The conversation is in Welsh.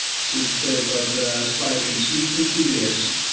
Sy'n deud bod yy Spike yn "sweet and curious".